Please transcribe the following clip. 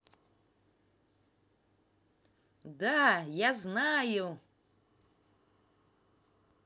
да я знаю